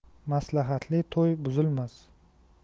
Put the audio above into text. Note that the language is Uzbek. maslahatli to'y buzilmas